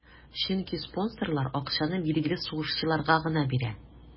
Чөнки спонсорлар акчаны билгеле сугышчыларга гына бирә.